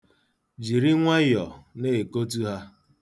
Jiri nwayọ na-ekotu ha.